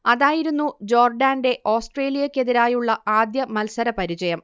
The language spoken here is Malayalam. അതായിരുന്നു ജോർഡാന്റെ ഓസ്ട്രേലിയക്കെതിരായുള്ള ആദ്യ മത്സരപരിചയം